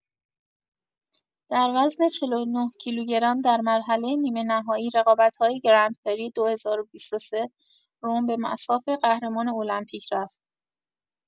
در وزن ۴۹ - کیلوگرم، در مرحله نیمه‌نهایی رقابت‌های گرندپری ۲۰۲۳ رم به مصاف قهرمان المپیک رفت.